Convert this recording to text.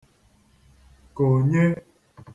konye